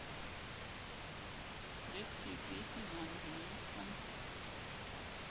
детские песни на английском